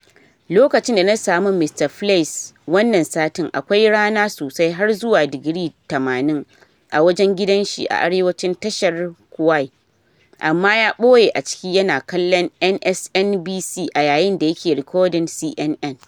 Lokacin da na sami Mr. Fleiss wannan satin, akwai rana sosai har zuwa digiri 80 a wajen gidan shi a arewacin tashar Kauai, amma ya boye a ciki yana kallon MSNBC a yayin da yake rikodin CNN.